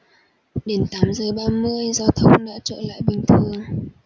đến tám giờ ba mươi giao thông đã trở lại bình thường